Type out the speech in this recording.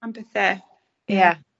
...am bethe. Ie.